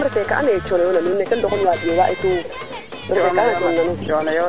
a tosuwaro de a tosuwara kene nda njik wel ten i yulu siwo ke ndose tanoyo